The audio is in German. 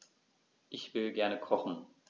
Ich will gerne kochen.